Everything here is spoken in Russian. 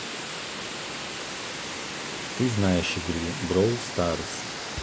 ты знаешь игру brawl stars